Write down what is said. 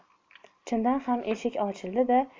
chindan ham eshik ochildi da